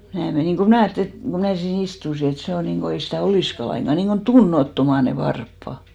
ja minä menin kun minä ajattelin että kun minä siinä istuin että se on niin kuin ei sitä olisikaan lainkaan niin kuin tunnottomat ne varpaat